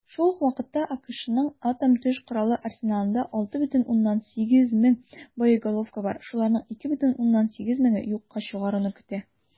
Шул ук вакытта АКШның атом төш коралы арсеналында 6,8 мең боеголовка бар, шуларны 2,8 меңе юкка чыгаруны көтә.